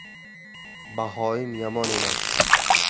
bahoim yomon emas